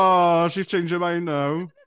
O! She's changed her mind now.